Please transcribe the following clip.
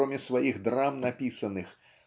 кроме своих драм написанных